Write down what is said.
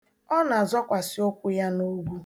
Ọ na-azọkwasị ụkwụ ya n'ogwu